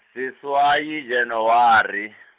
seswai Janaware.